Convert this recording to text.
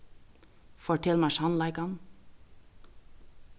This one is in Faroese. fortel mær sannleikan